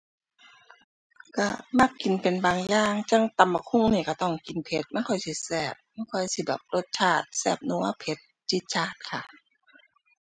ก็มักกินเป็นบางอย่าง จั่งตำบักหุ่งนี่ก็ต้องกินเผ็ด มันค่อยสิแซ่บ มันค่อยสิแบบรสชาติแซ่บ นัว เผ็ด จี๊ดจ๊าดค่ะ